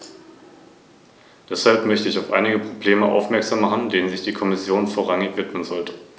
Dennoch freue ich mich, dass manche der grundlegenden Rechte der Verordnung für Fahrgäste gelten, die über eine kürzere Entfernung reisen.